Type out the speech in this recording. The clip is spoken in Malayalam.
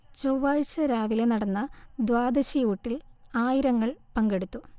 ചൊവ്വാഴ്ച രാവിലെ നടന്ന ദ്വാദശിഊട്ടിൽ ആയിരങ്ങൾ പങ്കെടുത്തു